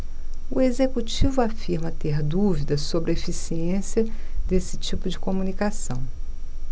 o executivo afirma ter dúvidas sobre a eficiência desse tipo de comunicação